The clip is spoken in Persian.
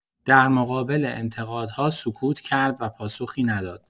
در مقابل انتقادها، سکوت کرد و پاسخی نداد.